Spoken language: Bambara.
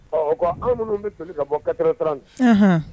Ɔ o ko anw minnu bɛ to ka bɔ kata tarawele nin